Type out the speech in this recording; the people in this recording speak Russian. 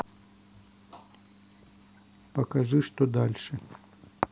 покажи что дальше